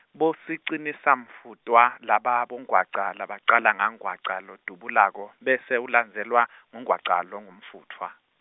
Bosicinisomfutfwa, laba bongwaca, labacala ngangwaca, lodubulako, bese ulandzelwa, ngungwaca, longumfutfwa.